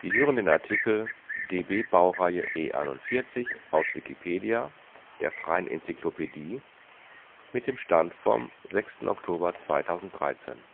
hören den Artikel DB-Baureihe E 41, aus Wikipedia, der freien Enzyklopädie. Mit dem Stand vom Der